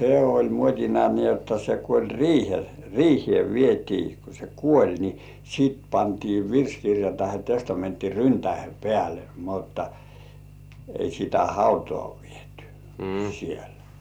se oli muotina niin jotta kun oli - riiheen vietiin kun se kuoli niin sitten pantiin virsikirja tai testamentti ryntäiden päälle mutta ei sitä hautaan viety siellä